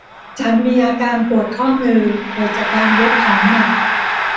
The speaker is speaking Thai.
ฉันมีอาการปวดข้อมือเกิดจากการยกของหนัก